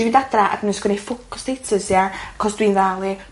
...i mynd adra ac yn ysgwennu ffwc a status ia 'c'os dwi'n dda yli.